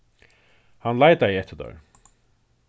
hann leitaði eftir tær